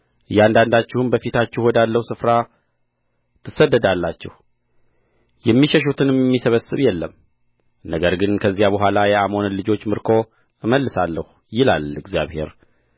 እያንዳንዳችሁም በፊታችሁ ወዳለው ስፍራ ትሰደዳላችሁ የሚሸሹትንም የሚሰበስብ የለም ነገር ግን ከዚያ በኋላ የአሞንን ልጆች ምርኮ እመልሳለሁ ይላል እግዚአብሔር